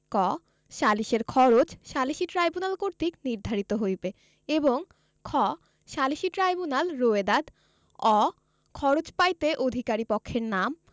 ক সালিসের খরচ সালিসী ট্রাইব্যুনাল কর্তৃক নির্ধারিত হইবে এবং খ সালিসী ট্রাইব্যুনাল রোয়েদাদ অ খরচ পাইতে অধিকারী পক্ষের নাম